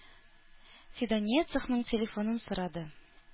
Фидания цехның телефонын сорады.